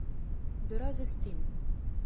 Бераз өстим.